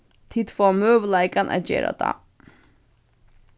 tit fáa møguleikan at gera tað